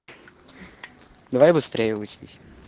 давай быстрее учись